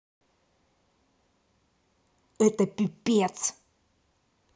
это пипец